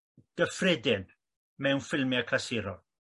gyffredin mewn ffilmie clasurol.